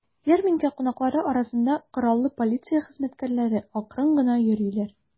Ярминкә кунаклары арасында кораллы полиция хезмәткәрләре акрын гына йөриләр.